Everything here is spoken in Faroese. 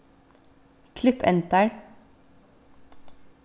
klipp endar